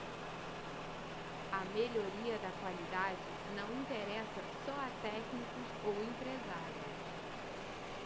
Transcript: a melhoria da qualidade não interessa só a técnicos ou empresários